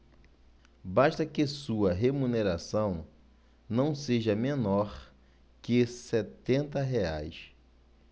basta que sua remuneração não seja menor que setenta reais